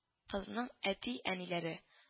Кызның әти-әниләре